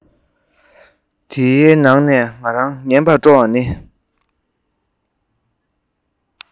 དེའི ནང ནས ང རང ཉན པ སྤྲོ བ ནི